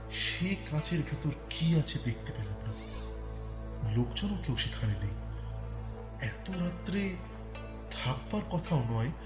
সে কাঁচের ভেতর কি আছে দেখতে পেলাম না লোকজনও কেউ সেখানে নেই এত রাতে থাকবার কথা ও নয়